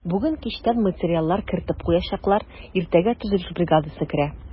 Бүген кичтән материаллар кертеп куячаклар, иртәгә төзелеш бригадасы керә.